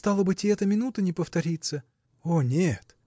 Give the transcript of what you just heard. Стало быть, и эта минута не повторится? – О нет!